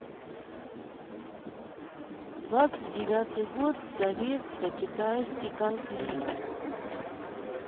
двадцать девятый год советско китайский конфликт